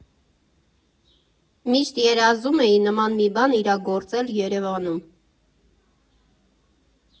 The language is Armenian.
Միշտ երազում էի նման մի բան իրագործել Երևանում։